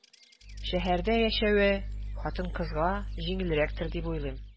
Шәһәрдә яшәве хатын-кызга җиңелрәктер дип уйлыйм.